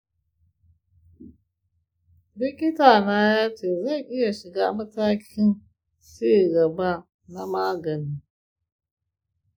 likitana ya ce zan iya shiga matakin ci gaba na magani .